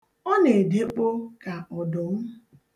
Ọ na-edekpo ka ọdụm.